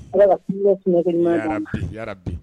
Ala kungo kungo bɛ yɛrɛ bi yɛrɛ bi